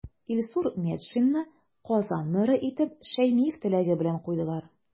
Илсур Метшинны Казан мэры итеп Шәймиев теләге белән куйдылар.